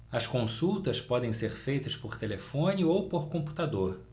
as consultas podem ser feitas por telefone ou por computador